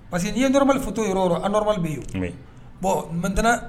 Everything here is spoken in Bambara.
Parce que ɲɛɔrɔbali fo to yɔrɔ anɔrɔ bɛ yen bɔn matɛnɛn